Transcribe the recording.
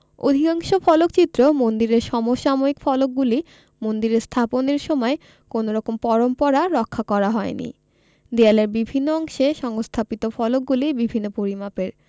অধিকাংশ ফলকচিত্র মন্দিরের সমসাময়িক ফলকগুলি মন্দিরে স্থাপনের সময় কোন রকম পরম্পরা রক্ষা করা হয় নি দেয়ালের বিভিন্ন অংশে সংস্থাপিত ফলকগুলি বিভিন্ন পরিমাপের